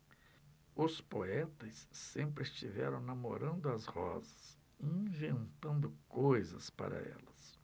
os poetas sempre estiveram namorando as rosas e inventando coisas para elas